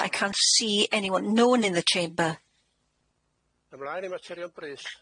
I can't see anyone, no one in the Chamber. Ymlaen i materion brys.